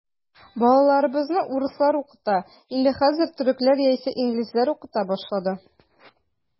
Балаларыбызны урыслар укыта, инде хәзер төрекләр яисә инглизләр укыта башлады.